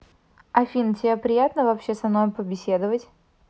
афина тебе приятно вообще со мной побеседовать